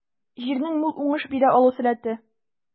Җирнең мул уңыш бирә алу сәләте.